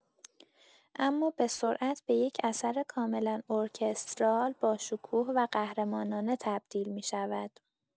اما به‌سرعت به یک اثر کاملا ارکسترال، باشکوه و قهرمانانه تبدیل می‌شود.